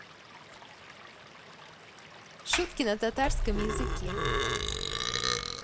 шутки на татарском языке